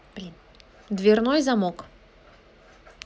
дверной замок